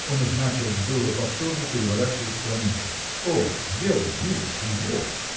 Он уж начал было проворно переворачивать страницы. – Ох, сделай милость, уволь!